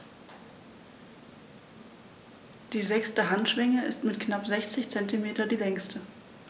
Die sechste Handschwinge ist mit knapp 60 cm die längste.